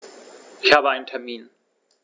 Ich habe einen Termin.